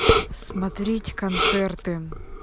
смотреть концерты